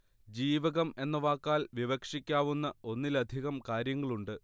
ജീവകം എന്ന വാക്കാൽ വിവക്ഷിക്കാവുന്ന ഒന്നിലധികം കാര്യങ്ങളുണ്ട്